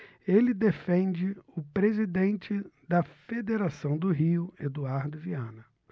ele defende o presidente da federação do rio eduardo viana